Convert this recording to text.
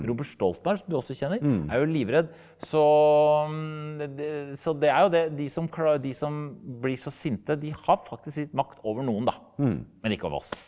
Robert Stoltenberg som du også kjenner er jo livredd så det det så det er jo det de som de som blir så sinte de har faktisk litt makt over noen da men ikke over oss.